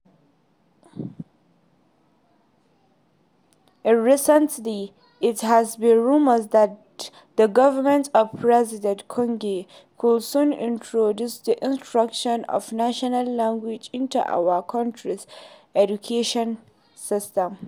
In recent days, it had been rumored that the government of President Condé would soon introduce the instruction of national languages into our country's educational system.